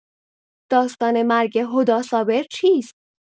داستان مرگ هدی صابر چیست؟